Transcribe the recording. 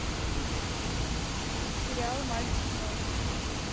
сериал мальчик мой